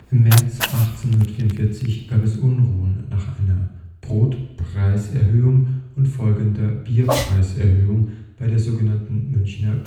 März 1844 gab es Unruhen nach einer Brotpreiserhöhung und folgender Bierpreiserhöhung bei der sogenannten Münchner